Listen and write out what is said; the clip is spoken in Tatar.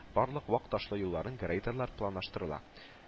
Барлык вак ташлы юлларын грейдерлау планлаштырыла